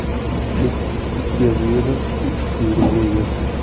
it itga buyurar it quyrug'iga